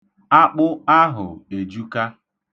Akpa ahụ ejuka.